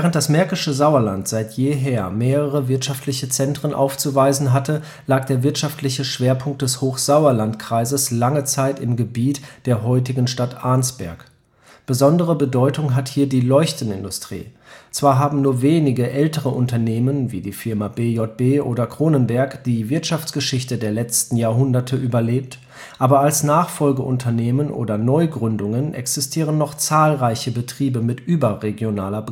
das märkische Sauerland seit je her mehrere wirtschaftliche Zentren aufzuweisen hatte, lag der wirtschaftliche Schwerpunkt des Hochsauerlandkreises lange Zeit im Gebiet der heutigen Stadt Arnsberg. Besondere Bedeutung hat hier die Leuchtenindustrie. Zwar haben nur wenige ältere Unternehmen (wie die Firma BJB oder Cronenberg) die Wirtschaftsgeschichte der letzten Jahrhunderte überlebt, aber als Nachfolgeunternehmen oder Neugründungen existieren noch zahlreiche Betriebe mit überregionaler